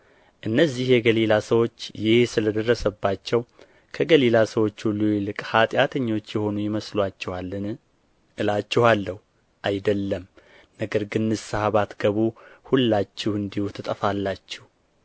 እነዚህ የገሊላ ሰዎች ይህ ስለ ደረሰባቸው ከገሊላ ሰዎች ሁሉ ይልቅ ኃጢአተኞች የሆኑ ይመስሉአችኋልን እላችኋለሁ አይደለም ነገር ግን ንስሐ ባትገቡ ሁላችሁ እንዲሁ ትጠፋላችሁ